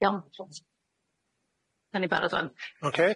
Iawn 'dan ni'n barod ŵan.